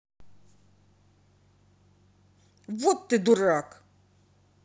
вот ты дурак